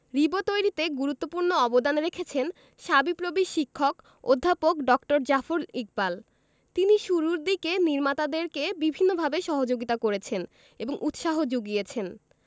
রিবো তৈরিতে গুরুত্বপূর্ণ অবদান রেখেছেন শাবিপ্রবির শিক্ষক অধ্যাপক ড জাফর ইকবাল তিনি শুরুর দিকে নির্মাতাদেরকে বিভিন্নভাবে সহযোগিতা করেছেন এবং উৎসাহ যুগিয়েছেন